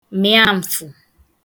mị̀a m̀fụ̀